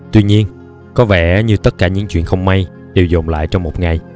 tuy nhiên có vẻ như tất cả những chuyện không may đều dồn lại trong một ngày